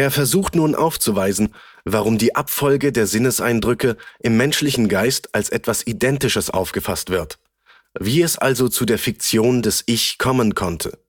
versucht nun aufzuweisen, warum die Abfolge der Sinneseindrücke im menschlichen Geist als etwas Identisches aufgefasst wird, wie es also zu der Fiktion des Ich kommen konnte